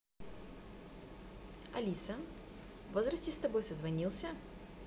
алиса возрасте с тобой созвонился